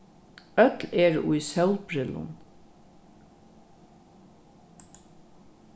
øll eru í sólbrillum